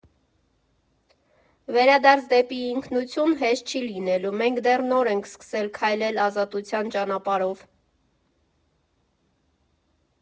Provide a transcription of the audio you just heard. «Վերադարձ դեպի ինքնություն հեշտ չի լինելու, մենք դեռ նոր ենք սկսել քայլել ազատության ճանապարհով։